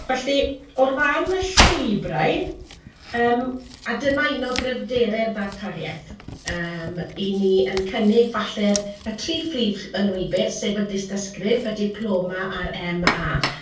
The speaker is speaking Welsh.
felly o ran y llwybrau, yym, a dyma un o gryfderau'r ddarpariaeth, yym 'y'n ni yn cynnig falle'r y tri phrif yy lwybyr, sef y dystysgrif, y diploma a'r MA.